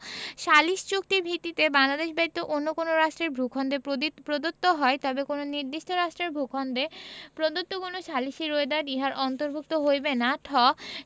সালিস চুক্তির ভিত্তিতে বাংলাদেশ ব্যতীত অন্য কোন রাষ্ট্রের ভূখন্ডে প্রদত্ত হয় তবে কোন নির্দিষ্ট রাষ্ট্রের ভূখন্ডে প্রদত্ত কোন সালিসী রোয়েদাদ ইহার অন্তর্ভুক্ত হইবে না ঠ